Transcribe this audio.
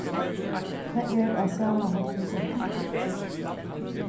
tað er á sama hátt við gentuni